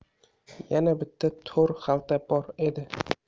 yana bitta to'r xalta bor edi